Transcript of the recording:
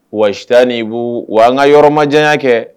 Waatita'i bolo wa an ka yɔrɔ ma diya kɛ